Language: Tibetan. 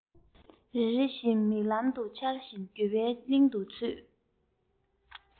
རེ རེ བཞིན མིག ལམ དུ འཆར བཞིན འགྱོད པའི ཀློང དུ ཚུད